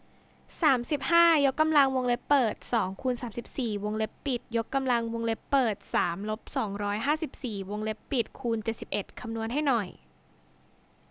สามสิบห้ายกกำลังวงเล็บเปิดสองคูณสามสิบสี่วงเล็บปิดยกกำลังวงเล็บเปิดสามลบสองร้อยห้าสิบสี่วงเล็บปิดคูณเจ็ดสิบเอ็ดคำนวณให้หน่อย